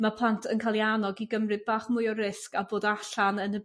ma' plant yn ca'l 'u annog i gymryd bach mwy o risg a bod allan yn y